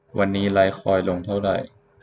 วันนี้ไลท์คอยน์ลงเท่าไหร่